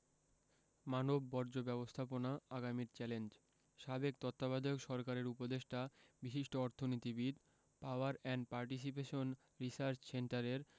মানববর্জ্য ব্যবস্থাপনা আগামীর চ্যালেঞ্জ সাবেক তত্ত্বাবধায়ক সরকারের উপদেষ্টা বিশিষ্ট অর্থনীতিবিদ পাওয়ার অ্যান্ড পার্টিসিপেশন রিসার্চ সেন্টারের